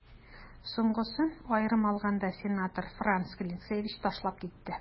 Соңгысын, аерым алганда, сенатор Франц Клинцевич ташлап китте.